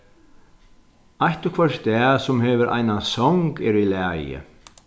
eitt og hvørt stað sum hevur eina song er í lagi